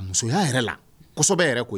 Musoya yɛrɛ la kɔsɔsɛbɛ yɛrɛ' ye